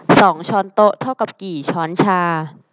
สองช้อนโต๊ะเท่ากับกี่ช้อนชา